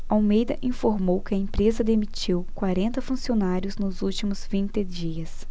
almeida informou que a empresa demitiu quarenta funcionários nos últimos vinte dias